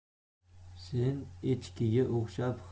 sen echkiga o'xshab